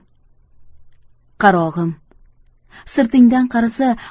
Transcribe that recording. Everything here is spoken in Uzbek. qarog'im sirtingdan qarasa